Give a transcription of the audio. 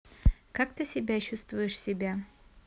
как ты себя чувствуешь себя